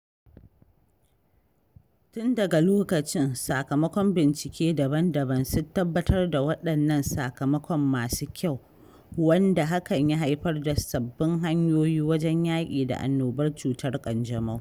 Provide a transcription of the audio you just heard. Tun daga lokacin, sakamakon bincike daban-daban sun tabbatar da waɗannan sakamakon masu kyau, wanda hakan ya haifar da sabbin hanyoyi wajen yaƙi da annobar cutar ƙanjamau.